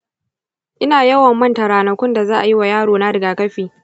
ina yawan manta ranakun da za'a yi wa yaro na rigakafi.